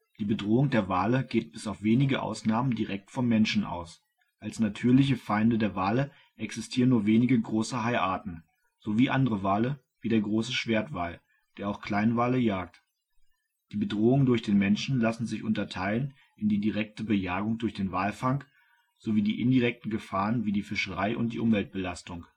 Die Bedrohung der Wale geht bis auf wenige Ausnahmen direkt vom Menschen aus. Als natürliche Feinde der Wale existieren nur wenige große Haiarten sowie andere Wale wie der Große Schwertwal, der auch Kleinwale jagt. Die Bedrohungen durch den Menschen lassen sich unterteilen in die direkte Bejagung durch den Walfang sowie die indirekten Gefahren wie die Fischerei und die Umweltbelastung